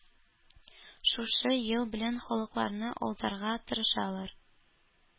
Шушы юл белән халыкларны алдарга тырышалар.